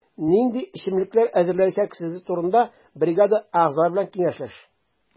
Нинди эчемлекләр әзерләячәгегез турында бригада әгъзалары белән киңәшләш.